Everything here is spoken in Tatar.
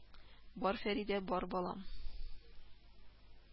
Бар, Фәридә, бар, балам